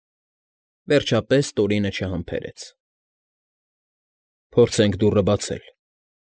Վերջապես Տորինը չհամբերեց. ֊ Փորձենք դուռը բացել։